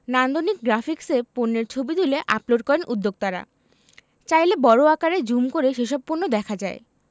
নান্দনিক গ্রাফিকসে পণ্যের ছবি তুলে আপলোড করেন উদ্যোক্তারা চাইলে বড় আকারে জুম করে সেসব পণ্য দেখা যায়